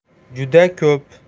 juda ko'p